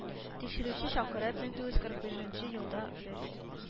Тикшерүче чакырып, мең тугыз кырык беренче елда бер